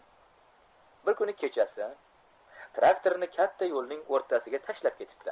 bir kuni kechasi traktorini katta yo'lning o'rtasiga tashlab ketibdi